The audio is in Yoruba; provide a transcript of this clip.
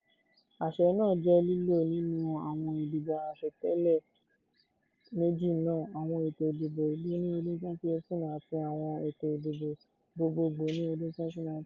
Àṣẹ náà jẹ́ lílò nínú àwọn ìdìbò àṣetẹ̀lé méjì náà — àwọn ètò ìdìbò ìlú ní ọdún 2018 àti àwọn ètò ìdìbò gbogboogbò ní ọdún 2019.